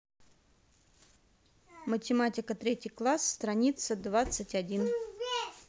математика третий класс страница двадцать один